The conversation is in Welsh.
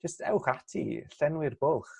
jyst ewch ati llenwi'r bwlch